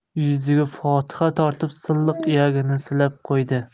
yuziga fotiha tortib silliq iyagini silab qo'ydi